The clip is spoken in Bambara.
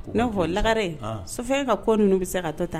N'a fɔ lagarare so ka kɔ ninnu bɛ se ka to ta